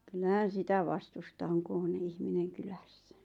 kyllähän sitä vastusta on kun on ihminen kylässä